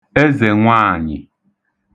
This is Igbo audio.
ezènwaànyị̀